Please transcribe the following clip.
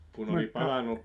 kun oli palanut